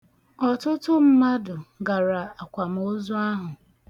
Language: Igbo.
Ọtụtụ mmadụ gara akwamoozu ahụ.